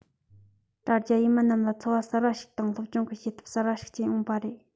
དྲ རྒྱ ཡིས མི རྣམས ལ འཚོ བ གསར བ ཞིག དང སློབ སྦྱོང གི བྱེད ཐབས གསར བ ཞིག སྐྱེལ འོངས པ རེད